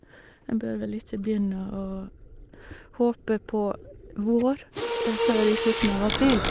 En bør vel ikke begynne å håpe på vår før i slutten av april.